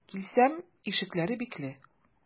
Килсәм, ишекләре бикле.